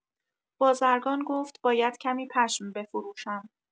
بازرگان گفت: «باید کمی پشم بفروشم».